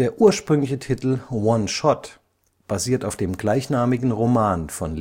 ursprüngliche Titel „ One Shot “basiert auf dem gleichnamigen Roman von